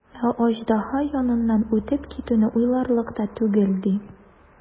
Ә аждаһа яныннан үтеп китүне уйларлык та түгел, ди.